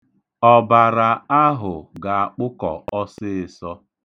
Ọbara ahụ ga-akpụkọ ọsịịsọ.